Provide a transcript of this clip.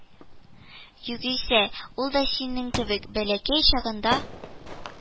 Югыйсә, ул да синең кебек бәләкәй чагында